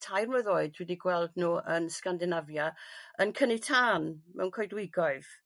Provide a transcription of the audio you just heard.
tair mlwydd oed dwi 'di gweld nhw yn Sgandenafia yn cynni tân mewn coedwigoedd.